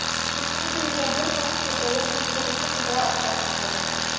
Ишектән керүгә: – Бер пачка «LM»,– дип, сатучы кызга акча сузды.